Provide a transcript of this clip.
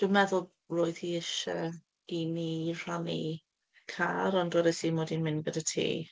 Dwi'n meddwl roedd hi isie i ni rhannu car, ond dywedais i mod i'n mynd gyda ti.